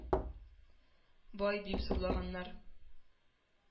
“бай“ дип зурлаганнар.